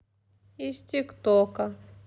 из тик тока